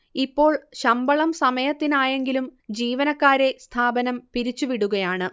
ഇപ്പോൾ ശമ്പളം സമയത്തിനായെങ്കിലും ജീവനക്കാരെ സ്ഥാപനം പിരിച്ചുവിടുകയാണ്